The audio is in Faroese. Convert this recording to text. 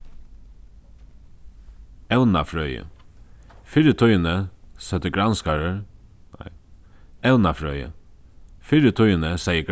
evnafrøði fyrr í tíðini søgdu granskarar evnafrøði fyrr í tíðini segði